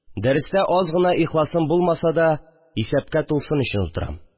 Дәрестә аз гына ихласым булмаса да, исәпкә тулсын өчен утырам